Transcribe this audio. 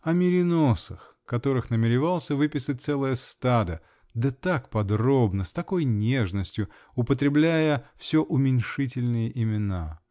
О мериносах, которых намеревался выписать целое стадо, да так подробно, с такой нежностью употребляя все уменьшительные имена.